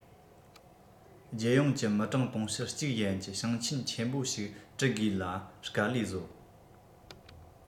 རྒྱལ ཡོངས ཀྱི མི གྲངས དུང ཕྱུར གཅིག ཡན གྱི ཞིང ཆེན ཆེན པོ ཞིག དྲུད དགོས ལ དཀའ ལས བཟོ